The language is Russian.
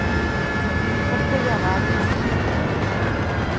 как я то радуюсь